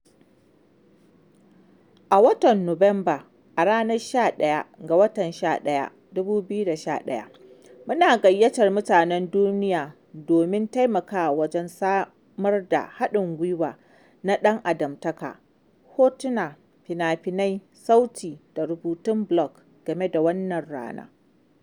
A watan Nuwamba, a ranar 11/11/11, muna gayyatar mutanen duniya domin taimakawa wajen samar da haɗin gwiwa na ɗan-adamtaka: hotuna, fina-finai, sauti, da rubutun blog game da wannan rana.